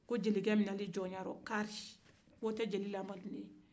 ko jelikɛ minɛnen jɔnya ko ayi